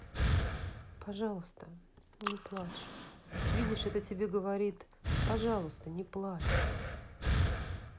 пожалуйста не плачь видишь это тебе говорит пожалуйста не плачь